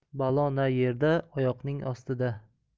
balo na yerda oyoqning ostida